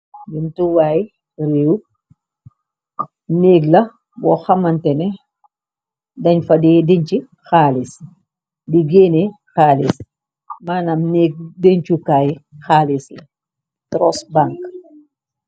Buntuwaay réew neeg la boo xamante ne dañ fa d denche xaalis, di genne xaalis. mënam neeg dencukaay xaalis i trust bank.